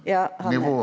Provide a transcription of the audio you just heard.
ja han er.